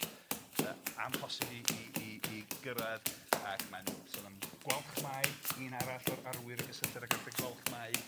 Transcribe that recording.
yy amhosib i i i i gyrradd, ac ma'n sôn am Gwalchmai, un arall o'r arwyr yn gysylltiedig Arthur Gwalchmai